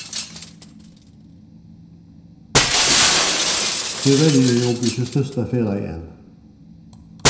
tíverri eru okur ikki størsta felagið enn